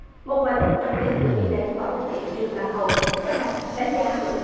một ngòi bút trong nước được biết đến qua bút hiệu trường bạc hồng cho rằng đánh giá của tổ